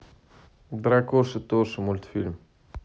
дракоша тоша мультфильм